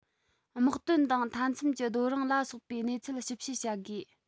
དམག དོན དང མཐའ མཚམས ཀྱི རྡོ རིང ལ སོགས པའི གནས ཚུལ ཞིབ དཔྱད བྱ དགོས